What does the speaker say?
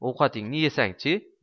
ovqatingni yesang chi